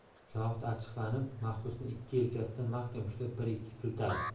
zohid achchiqlanib mahbusni ikki yelkasidan mahkam ushlab bir ikki siltadi